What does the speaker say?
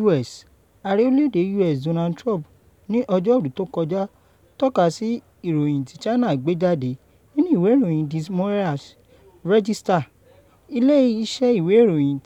U.S. Ààrẹ orílẹ̀èdè U.S. Donald Trump ní Ọjọ́rú tó kọjá tọ́ka sí ìròyìn tí China gbé jáde nínú ìwé ìròyìn Des Moines Register- ilé-iṣẹ́ ìwé ìròyìn